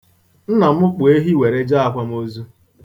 Nna m kpụ ehi were jee akwamozu.